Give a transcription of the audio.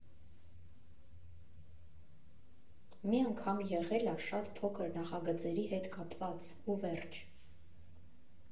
Մի անգամ եղել ա շատ փոքր նախագծերի հետ կապված, ու վերջ։